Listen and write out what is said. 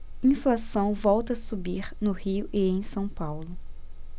inflação volta a subir no rio e em são paulo